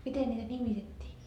miten niitä nimitettiin